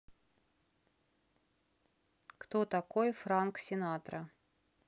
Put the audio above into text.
кто такой франк синатра